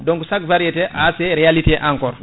donc chaque variété a ces réalités encore